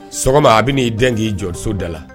Sɔgɔma a bɛna n'i den k'i jɔso da la